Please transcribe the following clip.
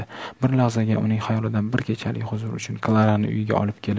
bir lahzada uning xayolidan bir kechalik huzur uchun klarani uyiga olib kelib